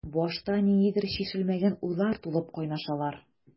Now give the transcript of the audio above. Башта ниндидер чишелмәгән уйлар тулып кайнашалар.